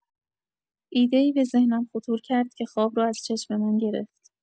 ایده‌ای به ذهنم خطور کرد که خواب رو از چشم من گرفت!